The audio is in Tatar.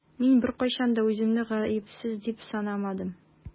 Мин беркайчан да үземне гаепсез дип санамадым.